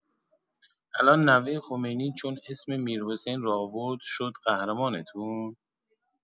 الان نوه خمینی چون اسم میرحسین رو آورد شد قهرمانتون؟